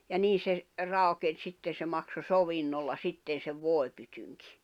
ja niin se raukeni sitten se maksoi sovinnolla sitten sen voipytynkin